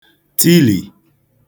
tilì